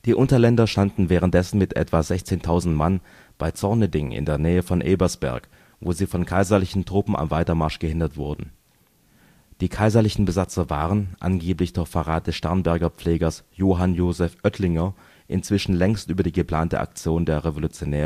Unterländer standen währenddessen mit etwa 16.000 Mann bei Zorneding in der Nähe von Ebersberg, wo sie von kaiserlichen Truppen am Weitermarsch gehindert wurden. Die kaiserlichen Besatzer waren, angeblich durch Verrat des Starnberger Pflegers Johann Joseph Öttlinger, inzwischen längst über die geplante Aktion der Revolutionäre